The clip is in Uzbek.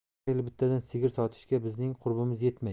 har yili bittadan sigir sotishga bizning qurbimiz yetmaydi